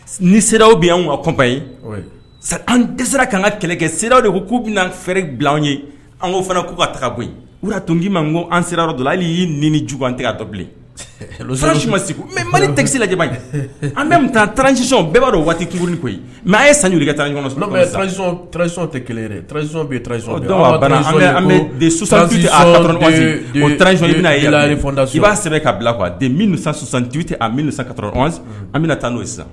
Ni seraw bɛ ka kɔnpba ye sisan an tɛ kaan ka kɛlɛ kɛ sew de ko k'u bɛna fɛrɛ bila an ye an ko fana k'u ka taga bɔ k'i ma n ko an sera don hali y'i ni ni ju an tigɛ dɔ bilensi ma mɛ mali tɛsi lajɛ an bɛ taa transiɔn bɛɛ b'a dɔn waati tuugubili koyi mɛ a ye sanuruli tan ɲɔgɔnsiɔn tɛɔn bɛna yɛlɛ i b'a sɛbɛn k ka bila kuwasan ka an bɛna taa n'o sisan